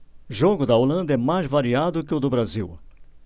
jogo da holanda é mais variado que o do brasil